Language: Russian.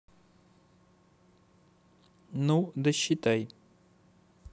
ну досчитай